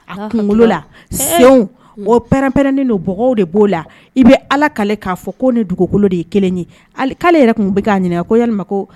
A kunkolo la, ɛɛ, senw o pɛrɛnprɛnenw don i bɛ allah k'a fɔ k'o ni dugukolo de ye kelen ye k'ale yɛrɛ tun bi k'a ɲinika ko walima ko